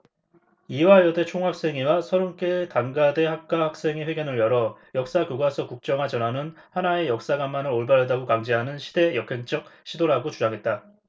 이화여대 총학생회와 서른 개 단과대 학과 학생회 회견을 열어 역사 교과서 국정화 전환은 하나의 역사관만을 올바르다고 강제하는 시대 역행적 시도라고 주장했다